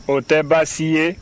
o tɛ baasi ye